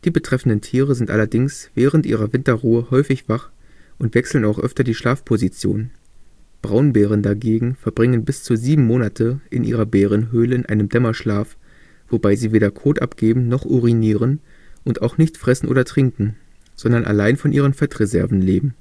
betreffenden Tiere sind allerdings während ihrer Winterruhe häufig wach und wechseln auch öfter die Schlafposition. Braunbären dagegen verbringen bis zu sieben Monate in ihrer Bärenhöhle in einem Dämmerschlaf, wobei sie weder Kot abgeben noch urinieren und auch nicht fressen oder trinken, sondern allein von ihren Fettreserven leben